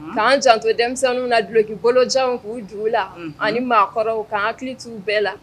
K'an janto denmisɛnninw na duloki bolojanw k'u d'u la, ani maakɔrɔw k'an hakili t' u bɛɛ la